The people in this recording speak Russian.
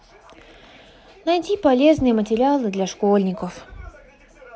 найди полезные материалы для школьников